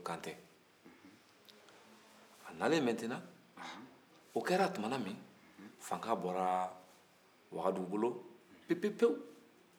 a nalen mɛntenan o kɛra tumana min fanga bɔra wagadugu bolo pewu-pewu